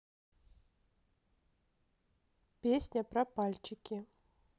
песня про пальчики